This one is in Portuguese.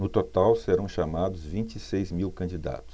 no total serão chamados vinte e seis mil candidatos